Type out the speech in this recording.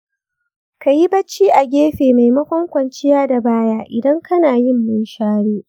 ka yi barci a gefe maimakon kwanciya da baya idan kana yin munshari.